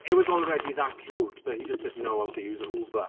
It was already that route but he just didn't know how to use Uber.